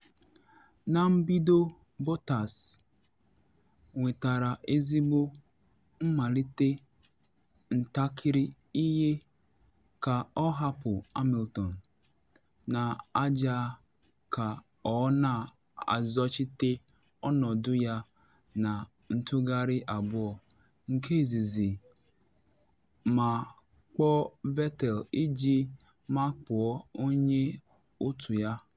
Na mbido, Bottas nwetara ezigbo mmalite, ntakịrị ihe ka ọ hapụ Hamilton na aja ka ọ na azọchite ọnọdụ ya na ntụgharị abụọ nke izizi ma kpọọ Vettel iji makpuo onye otu ya.